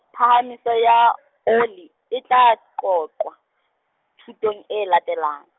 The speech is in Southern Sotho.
phahamiso ya oli, e tla qoqwa, thutong e latelang.